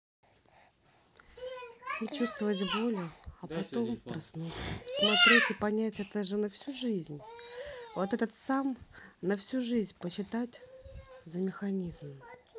не чувствовать боли а потом проснуться посмотреть и понять это же на всю жизнь вот этот сам на всю жизнь почитать за механизм